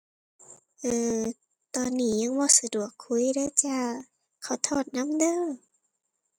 เอ่อ ตอนนี้ยังบ่สะดวกคุยเด้อจ้า ขอโทษนำเด้อ